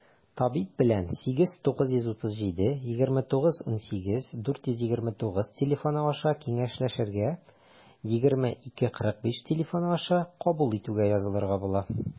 Табиб белән 89372918429 телефоны аша киңәшләшергә, 20-2-45 телефоны аша кабул итүгә язылырга була.